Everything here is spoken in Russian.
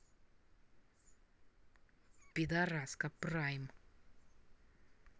пидараска прайм